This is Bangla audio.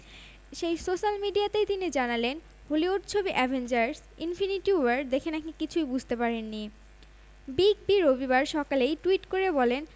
আমাকে যখন বলা হলো মডেল হতে তখন বেশ আগ্রহ নিয়েই রাজি হই